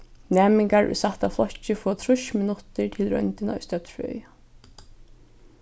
næmingar í sætta flokki fáa trýss minuttir til royndina í støddfrøði